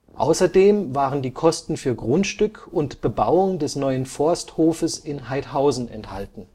Außerdem waren die Kosten für Grundstück und Bebauung des neuen Forsthofes in Haidhausen enthalten